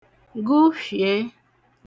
gụfhìe